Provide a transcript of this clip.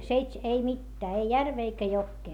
-- ei mitään ei järveä eikä jokea